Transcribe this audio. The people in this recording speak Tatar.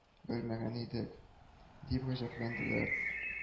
Белмәгән идек, дип гаҗәпләнделәр